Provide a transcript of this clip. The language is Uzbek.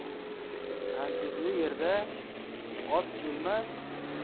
andizli yerda ot